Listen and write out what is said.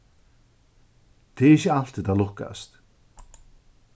tað er ikki altíð tað lukkast